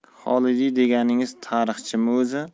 xolidiy deganingiz tarixchimi o'zi